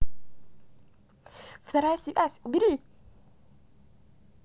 вторая связь убери